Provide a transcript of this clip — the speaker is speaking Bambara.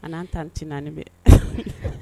An'an ta an ti naaniani bɛ